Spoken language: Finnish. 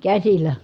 käsillä